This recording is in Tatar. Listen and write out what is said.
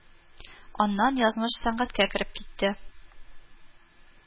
Аннан язмыш сәнгатькә кереп китте